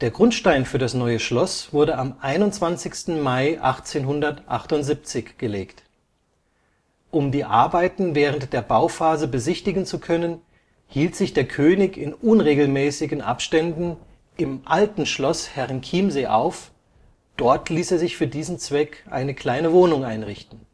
Grundstein für das Neue Schloss wurde am 21. Mai 1878 gelegt. Um die Arbeiten während der Bauphase besichtigen zu können, hielt sich der König in unregelmäßigen Abständen im Alten Schloss Herrenchiemsee auf, dort ließ er sich für diesen Zweck eine kleine Wohnung einrichten